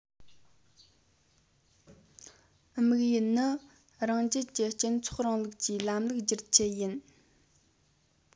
དམིགས ཡུལ ནི རང རྒྱལ གྱི སྤྱི ཚོགས རིང ལུགས ཀྱི ལམ ལུགས བསྒྱུར ཆེད ཡིན